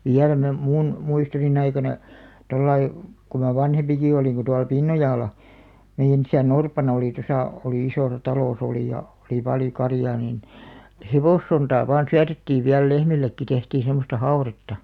vielä me minun muistoni aikana tuolla lailla kun minä vanhempikin olin kun tuolla Pinnojalla meidän isän orpana oli tuossa oli isossa talossa oli ja oli paljon karjaa niin hevossontaa vain syötettiin vielä lehmillekin tehtiin semmoista haudetta